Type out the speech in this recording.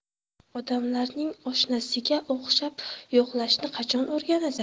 odamlarning oshnasiga o'xshab yo'qlashni qachon o'rganasan